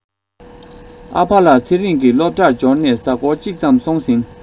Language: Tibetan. ཨ ཕ ལ ཚེ རིང སློབ གྲྭར འབྱོར ནས གཟའ འཁོར གཅིག ཙམ སོང ཟིན